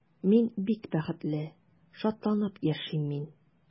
Мин бик бәхетле, шатланып яшим мин.